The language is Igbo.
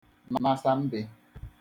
nasa mbe